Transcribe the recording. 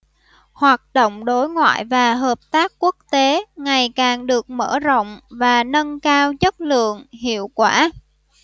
hoạt động đối ngoại và hợp tác quốc tế ngày càng được mở rộng và nâng cao chất lượng hiệu quả